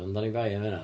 Ond oni bai am hynna.